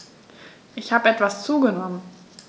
Ich habe etwas zugenommen